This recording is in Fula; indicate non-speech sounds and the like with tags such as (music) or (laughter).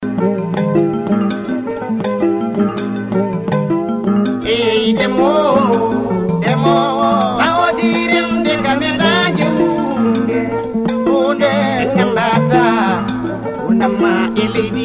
(music)